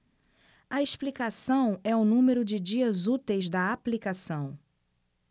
a explicação é o número de dias úteis da aplicação